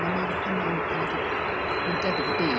A mae'r hynny'n golygu, mae'n debyg y byd.